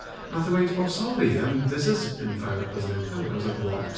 Wnaeth e weud "oh sorry uhm this has been filed up as a new account" I was like "what"